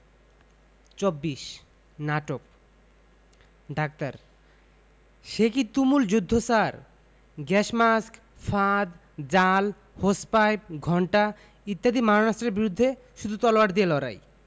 ২৪ নাটক ডাক্তার সেকি তুমুল যুদ্ধ স্যার গ্যাস মাস্ক ফাঁদ জাল হোস পাইপ ঘণ্টা ইত্যাদি মারণাস্ত্রের বিরুদ্ধে শুধু তলোয়ার দিয়ে লড়াই